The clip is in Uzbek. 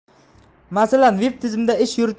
masalan veb tizimda ish